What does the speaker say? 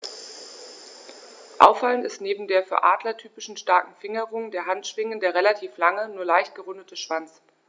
Auffallend ist neben der für Adler typischen starken Fingerung der Handschwingen der relativ lange, nur leicht gerundete Schwanz.